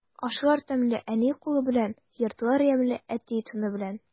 Ашлар тәмле әни кулы белән, йортлар ямьле әти тыны белән.